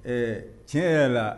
Ɛɛ tiɲɛ yɛrɛ la